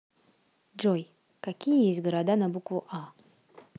джой какие есть города на букву а